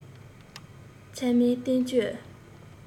ཚད མའི བསྟན བཅོས